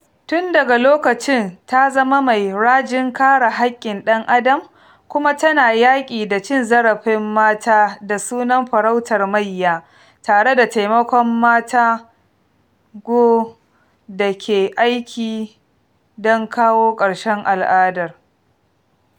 Tun daga lokacin ta zama mai rajin kare haƙƙin ɗan adam, kuma tana yaƙi da cin zarafin mata da sunan farautar mayya tare da taimakon wata NGO da ke aiki don kawo ƙarshen al'adar.